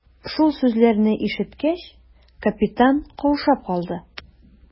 Шул сүзләрне ишеткәч, капитан каушап калды.